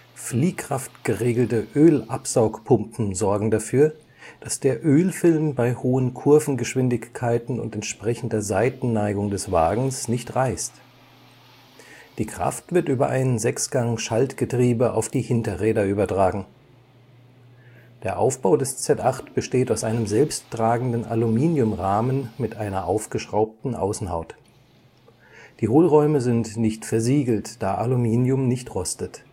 Fliehkraftgeregelte Ölabsaugpumpen sorgen dafür, dass der Ölfilm bei hohen Kurvengeschwindigkeiten und entsprechender Seitenneigung des Wagens nicht reißt. Die Kraft wird über ein 6-Gang-Schaltgetriebe auf die Hinterräder übertragen. Der Aufbau des Z8 besteht aus einem selbsttragenden Aluminiumrahmen (Spaceframe) mit einer aufgeschraubten Außenhaut. Die Hohlräume sind nicht versiegelt, da Aluminium nicht rostet